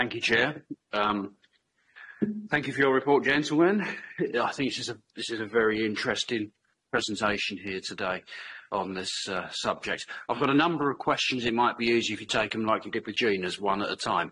Thank you chair. Yym thank you for your report gentlemen. I think this is a this is a very interesting presentation here today on this uh subject. ,'ve got a number of questions, it might be easy if you take them like you did with Gina's, one at a time.